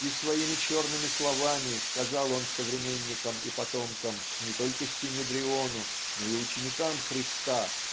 и своими черными словами сказал он современникам и потомкам не только синедриону но и ученикам Христа